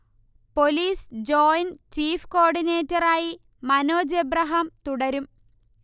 police joint chief coordinator ആയി Manoj Abraham തുടരും